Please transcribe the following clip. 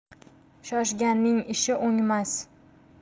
shoshganning ishi o'ngmas